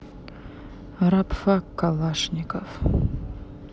рабфак калашников